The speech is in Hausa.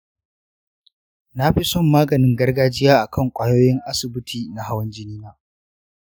nafi son maganin gargajiya akan ƙwayoyin asibiti na hawan jini na